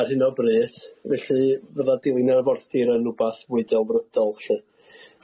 ar hyn o bryd felly fydda' dilyn yr arfordir yn 'wbath fwy delfrydol 'lly.